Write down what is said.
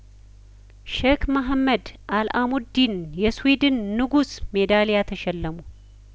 ሼክ መሀመድ አልአሙዲን የስዊድን ንጉስ ሜዳሊያ ተሸለሙ